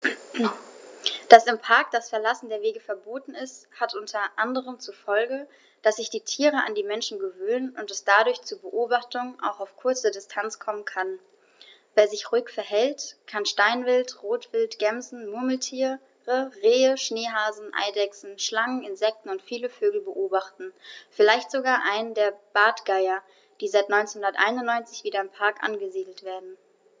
Dass im Park das Verlassen der Wege verboten ist, hat unter anderem zur Folge, dass sich die Tiere an die Menschen gewöhnen und es dadurch zu Beobachtungen auch auf kurze Distanz kommen kann. Wer sich ruhig verhält, kann Steinwild, Rotwild, Gämsen, Murmeltiere, Rehe, Schneehasen, Eidechsen, Schlangen, Insekten und viele Vögel beobachten, vielleicht sogar einen der Bartgeier, die seit 1991 wieder im Park angesiedelt werden.